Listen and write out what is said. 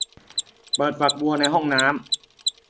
เปิดฝักบัวในห้องน้ำ